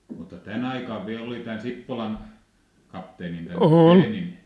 mutta tänä aikana vielä oli tämän Sippolan kapteenin tämän Teenin